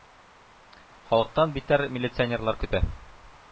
Халыктан битәр милиционерлар көтә.